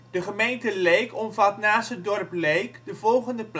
De gemeente Leek omvat naast het dorp Leek de volgende plaatsen